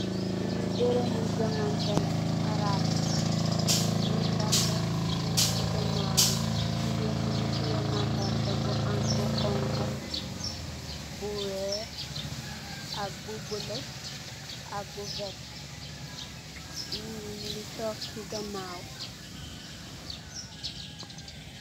Lii bërëb bu jongante la, karaate, mandarga, muñg si ganaaw, jigéen mu ngi tiye mandarga bu am lu xoñgu, bu weex ak bu bulo, ak bu werta. Nit ñi ñu ngi toog si ganaaw.